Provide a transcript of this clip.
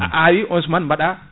a awi on suman baɗa